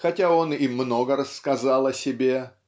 Хотя он и много рассказал о себе